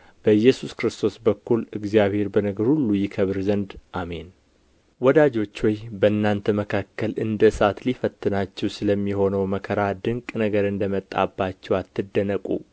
በኢየሱስ ክርስቶስ በኩል እግዚአብሔር በነገር ሁሉ ይከብር ዘንድ አሜን ወዳጆች ሆይ በእናንተ መካከል እንደ እሳት ሊፈትናችሁ ስለሚሆነው መከራ ድንቅ ነገር እንደ መጣባችሁ አትደነቁ